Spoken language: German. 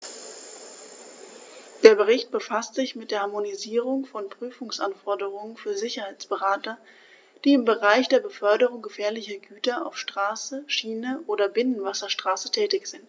Der Bericht befasst sich mit der Harmonisierung von Prüfungsanforderungen für Sicherheitsberater, die im Bereich der Beförderung gefährlicher Güter auf Straße, Schiene oder Binnenwasserstraße tätig sind.